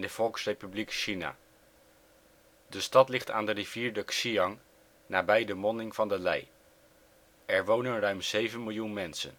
Volksrepubliek China. De stad ligt aan de rivier de Xiang nabij de monding van de Lei. Er wonen ruim 7 miljoen mensen